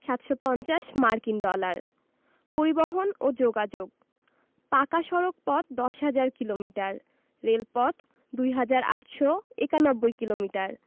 ৭৫০ মার্কিন ডলার পরিবহণ ও যোগাযোগঃ পাকা সড়কপথ ১০হাজার কিলোমিটার রেলপথ ২হাজার ৮৯১ কিলোমিটার